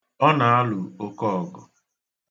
Ọ na-alụ oke ọgụ.